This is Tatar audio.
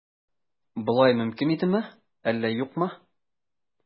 Болай мөмкин идеме, әллә юкмы?